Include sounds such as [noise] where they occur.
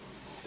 [hesitation] [hesitation]